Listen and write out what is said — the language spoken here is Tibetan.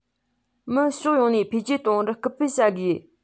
མི ཕྱོགས ཡོངས ནས འཕེལ རྒྱས གཏོང བར སྐུལ སྤེལ བྱ དགོས